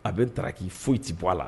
A bɛ ntaraki foyi tɛ bɔ a la.